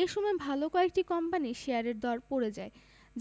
এ সময় ভালো কয়েকটি কোম্পানির শেয়ারের দর পড়ে যায়